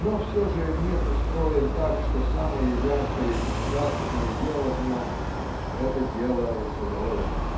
но все же мир устроен так, что самое яркое и страстное дело в нем это дело злое.